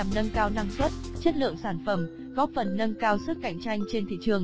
nhằm nâng cao năng suất chất lượng sản phẩm góp phần nâng cao sức cạnh tranh trên thị trường